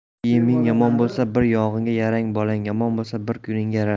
kiyiming yomon bo'lsa bir yog'ingga yarar bolang yomon bo'lsa bir kuningga yarar